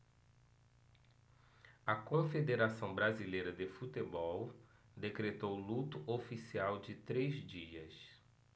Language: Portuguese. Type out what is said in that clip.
a confederação brasileira de futebol decretou luto oficial de três dias